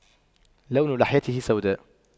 لون لحيته سوداء